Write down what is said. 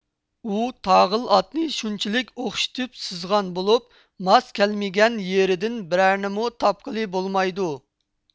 ئۇ تاغىل ئاتنى شۇنچىلىك ئوخشىتىپ سىزغان بولۇپ ماس كەلمىگەن يېرىدىن بىرەرنىمۇ تاپقىلى بولمايدۇ